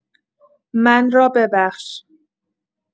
من را ببخش.